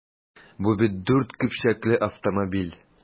Бу бит дүрт көпчәкле автомобиль!